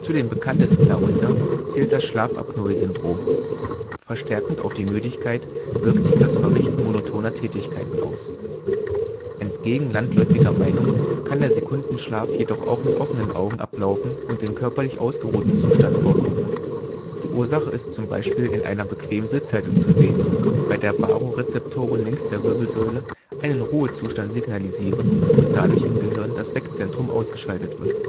den bekanntesten darunter zählt das Schlafapnoe-Syndrom. Verstärkend auf die Müdigkeit wirkt sich das Verrichten monotoner Tätigkeiten aus. Entgegen landläufiger Meinung kann der Sekundenschlaf jedoch auch mit offenen Augen ablaufen und in körperlich ausgeruhtem Zustand vorkommen. Die Ursache ist z. B. in einer bequemen Sitzhaltung zu sehen, bei der Barorezeptoren längs der Wirbelsäule einen Ruhezustand signalisieren und dadurch im Gehirn das Weckzentrum ausgeschaltet wird